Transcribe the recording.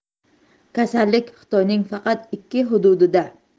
kasallik xitoyning faqat ikki hududida